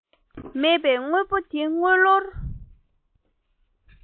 མེད པའི དངོས པོ དེ དངུལ ལོར